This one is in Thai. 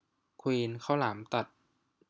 ควีนข้าวหลามตัด